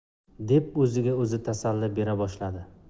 deb o'ziga o'zi tasalli bera boshladi